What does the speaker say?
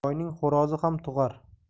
boyning xo'rozi ham tug'ar